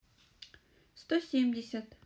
сто семьдесят